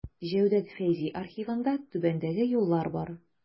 Җәүдәт Фәйзи архивында түбәндәге юллар бар.